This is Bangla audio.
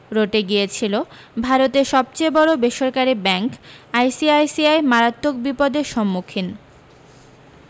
রটে গিয়েছিল ভারতের সবচেয়ে বড় বেসরকারি ব্যাঙ্ক আইসিআইসিআই মারাত্মক বিপদের সম্মুখীন